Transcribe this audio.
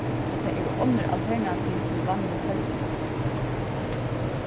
at tað eru onnur alternativ til vanligu telduna